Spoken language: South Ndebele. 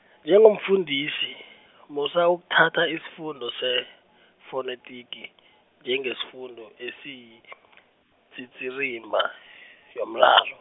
njengomfundisi, musa ukuthatha isifundo sefonetiki, njengesifundo esiyitsitsirimba, yomraro.